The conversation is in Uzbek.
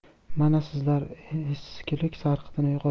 mana sizlar eskilik sarqitini yo'qotish kerak